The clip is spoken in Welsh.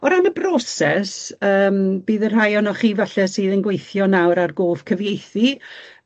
O ran y broses yym bydd y rhai onoch chi falle sydd yn gweithio nawr ar gof cyfieithu